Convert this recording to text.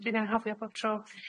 Dwi'n anghofio bob tro.